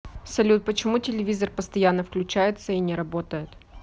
салют почему телевизор постоянно включается и не работает